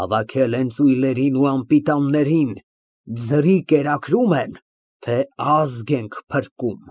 Հավաքել են ծույլերին ու անպիտաններին, ձրի կերակրում են, թե ազգ ենք փրկում։